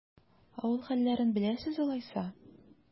Авыл хәлләрен беләсез алайса?